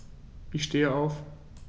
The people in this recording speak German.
Ich stehe auf.